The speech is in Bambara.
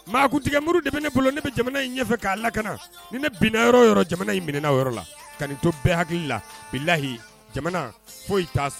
Maa kun tigɛ muruuru de bɛ ne bolo ne bɛ jamana in ɲɛfɛ fɛ k'a lakana ne ne binna yɔrɔ yɔrɔ jamana in minɛna yɔrɔ la ka to bɛɛ hakili la bi lahi jamana foyi t'a sa